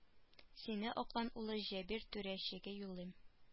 Сине аклан улы җәбир түрәчегә юллыйм